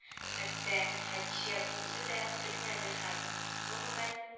Хәтта хәдичә үзе дә белмәде һәм, гомумән